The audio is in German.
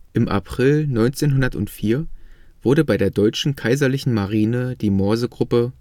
Im April 1904 wurde bei der deutschen Kaiserlichen Marine die Morsegruppe